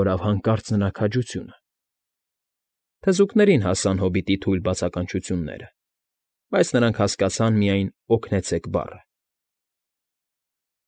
Կորավ հանկարծ նրա քաջությունը… Թզուկներին հասան հոբիտի թույլ բացականչությունները, բայց նրանք հասկացան միայն «օգնեցե՜ք» բառը։ ֊